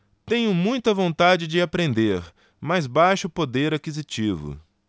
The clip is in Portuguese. tenho muita vontade de aprender mas baixo poder aquisitivo